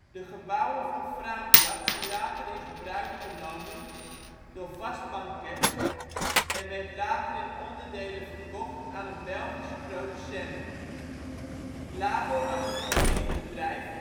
De gebouwen van Fraamklap zijn later in gebruik genomen door Vast Banket en werd later in onderdelen verkocht aan een Belgische producent. Labor was een familiebedrijf